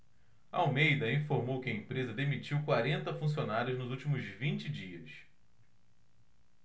almeida informou que a empresa demitiu quarenta funcionários nos últimos vinte dias